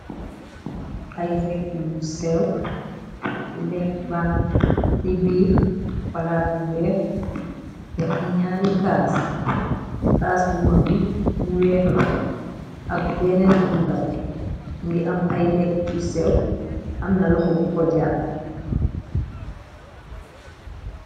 Ay lekk yu seew lekk bang ci biix palaat bu weex te am ñaari caas bu ma bi bu weex la akbu benneen bu ndaw ngi am ay lekk yu sew amna loxo bu ko japb.